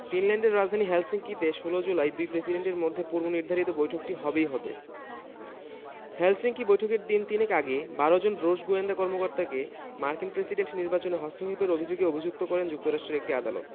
ফিনল্যান্ডের রাজধানী হেলসিঙ্কিতে ১৬ জুলাই দুই প্রেসিডেন্টের মধ্যে পূর্বনির্ধারিত বৈঠকটি হবেই হবে হেলসিঙ্কি বৈঠকের দিন তিনেক আগে ১২ জন রুশ গোয়েন্দা কর্মকর্তাকে মার্কিন প্রেসিডেন্ট নির্বাচনে হস্তক্ষেপের অভিযোগে অভিযুক্ত করেন যুক্তরাষ্ট্রের একটি আদালত